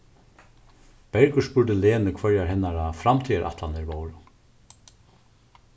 bergur spurdi lenu hvørjar hennara framtíðarætlanir vóru